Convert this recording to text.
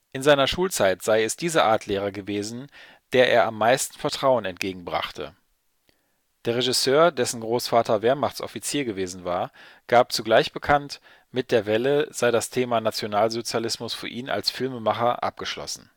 In seiner Schulzeit sei es diese Art Lehrer gewesen, der er am meisten Vertrauen entgegenbrachte. Der Regisseur, dessen Großvater Wehrmachts-Offizier gewesen war, gab zugleich bekannt, mit der Welle sei das Thema Nationalsozialismus für ihn als Filmemacher abgeschlossen